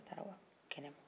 a taara wa kɛnɛma